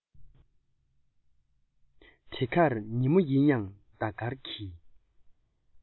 འདི གར ཉིན མོ ཡིན ཡང ཟླ དཀར གྱི